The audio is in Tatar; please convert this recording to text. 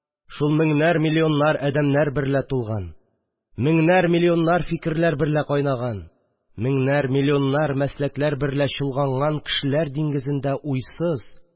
Шул меңнәр-миллионнар адәмнәр берлә тулган, меңнәр-миллионнар фикерләр берлә кайнаган, меңнәр-миллионнар мәсләкләр берлә чолганган кешеләр диңгезендә уйсыз